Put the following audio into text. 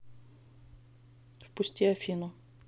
впусти афину